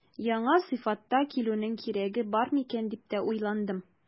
Яңа сыйфатта килүнең кирәге бар микән дип тә уйландым.